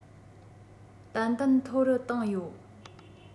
ཏན ཏན མཐོ རུ བཏང ཡོད